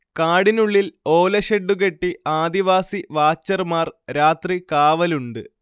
കാടിനുള്ളിൽ ഓലഷെഡ്ഡുകെട്ടി ആദിവാസി വാച്ചർമാർ രാത്രി കാവലുണ്ട്